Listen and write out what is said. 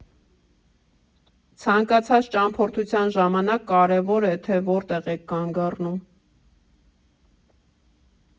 Ցանկացած ճամփորդության ժամանակ կարևոր է, թե որտեղ եք կանգ առնում։